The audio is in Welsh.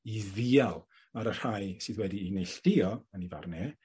i ddial ar y rhai sydd wedi 'u neilltuo yn 'i farn e,